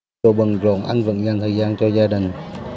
dù bận rộn anh vẫn dành thời gian cho gia đình